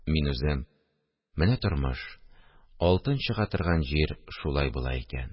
Мин үзем: «Менә тормыш! Алтын чыга торган җир шулай була икән